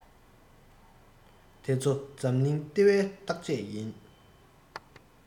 དེ ཚོ འཛམ གླིང ལྟེ བའི བརྟག དཔྱད ཡིན